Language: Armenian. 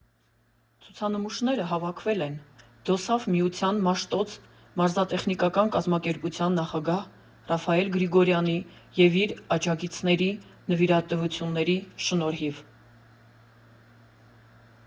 Ցուցանմուշները հավաքվել են ԴՕՍԱՖ միության Մաշտոց մարզատեխնիկական կազմակերպության նախագահ Ռաֆայել Գրիգորյանի և իր աջակիցների նվիրատվությունների շնորհիվ։